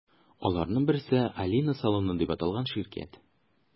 Аларның берсе – “Алина салоны” дип аталган ширкәт.